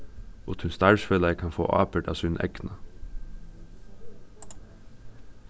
og tín starvsfelagi kann fáa ábyrgd av sínum egna